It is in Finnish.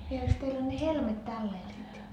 vieläkös teillä on ne helmet tallella sitten